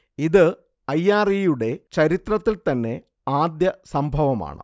ഇത് I. R. E. യുടെ ചരിത്രത്തിൽ തന്നെ ആദ്യ സംഭവമാണ്